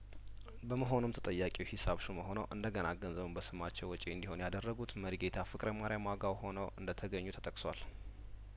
በመሆኑም ተጠያቂው ሂሳብ ሹም ሆነው እንደገና ገንዘቡን በስማቸው ወጪ እንዲሆን ያደረጉት መሪጌታ ፍቅረ ማርያም ዋጋው ሆነው እንደተገኙ ተጠቅሷል